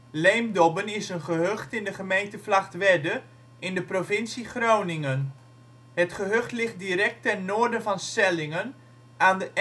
Leemdobben is een gehucht in de gemeente Vlagtwedde in de provincie Groningen. Het gehucht ligt direct ten noorden van Sellingen aan de